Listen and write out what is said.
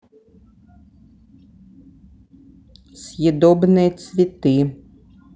съедобные цветы